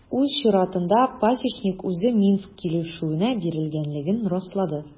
Үз чиратында Пасечник үзе Минск килешүенә бирелгәнлеген раслады.